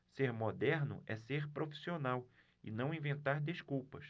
ser moderno é ser profissional e não inventar desculpas